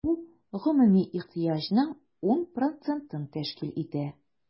Бу гомуми ихтыяҗның 10 процентын тәшкил итә.